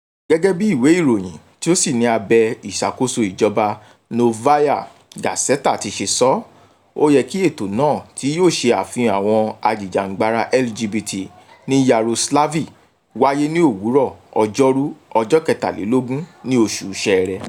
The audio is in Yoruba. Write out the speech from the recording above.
Gẹ́gẹ́ bí ìwé ìròyìn tí ò sí ní abẹ́ ìṣàkóso ìjọba Novaya Gazeta ti ṣe sọ, ó yẹ kí ètò náà tí yóò ṣe àfihàn àwọn ajìjàǹgbara LGBT ní Yaroslavl wáyé ní òwúrọ̀ Ọjọ́rú 23, ní oṣù Ṣẹẹrẹ.